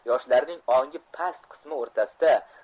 yoshlarning ongi past qismi o'rtasida